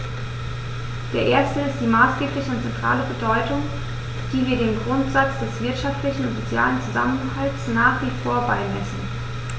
Der erste ist die maßgebliche und zentrale Bedeutung, die wir dem Grundsatz des wirtschaftlichen und sozialen Zusammenhalts nach wie vor beimessen.